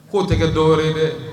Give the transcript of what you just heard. K'o tɛ dɔw ye dɛ